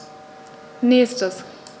Nächstes.